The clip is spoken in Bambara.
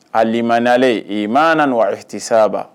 A malen i manatisaba